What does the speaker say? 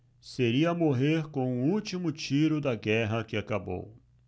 seria morrer com o último tiro da guerra que acabou